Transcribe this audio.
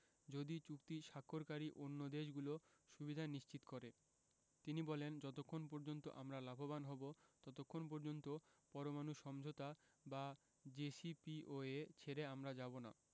যদি চুক্তি স্বাক্ষরকারী অন্য দেশগুলো সুবিধা নিশ্চিত করে তিনি বলেন যতক্ষণ পর্যন্ত আমরা লাভবান হব ততক্ষণ পর্যন্ত পরমাণু সমঝোতা বা জেসিপিওএ ছেড়ে আমরা যাব না